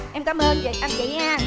em cám ơn chị anh chị nha